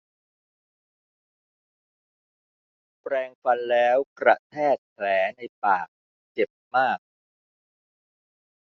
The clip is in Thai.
แปรงฟันแล้วกระแทกแผลในปากเจ็บมาก